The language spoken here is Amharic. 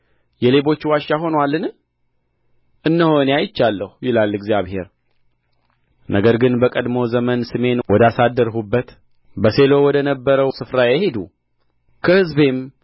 የሌቦች ዋሻ ሆኖአልን እነሆ እኔ አይቻለሁ ይላል እግዚአብሔር ነገር ግን በቀድሞ ዘመን ስሜን ወዳሳደርሁበት በሴሎ ወደ ነበረው ስፍራዬ ሂዱ ከሕዝቤም